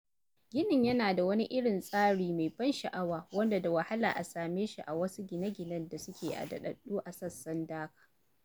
Ginin yana da wani irin tsari mai ban sha'awa wanda da wahala a same shi a wasu gine-ginen da suke a daɗaɗɗun sassan Dhaka.